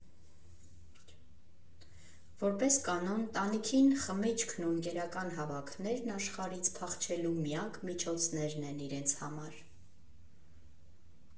Որպես կանոն, տանիքին խմիչքն ու ընկերական հավաքներն «աշխարհից փախչելու» միակ միջոցներն են իրենց համար։